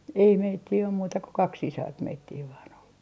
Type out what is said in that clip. ei meitä ole muuta kuin kaksi sisarta meitä vain oli